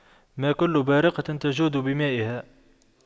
ما كل بارقة تجود بمائها